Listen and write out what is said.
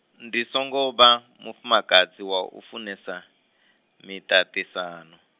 ndi songo vha, mufumakadzi wa u funesa, miṱaṱisano.